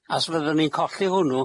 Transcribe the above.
A os fyddwn ni'n colli hwnnw-